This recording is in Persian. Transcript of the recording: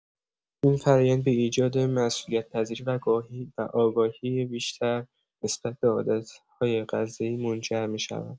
این فرآیند به ایجاد مسئولیت‌پذیری و آگاهی بیشتر نسبت به عادت‌های غذایی منجر می‌شود.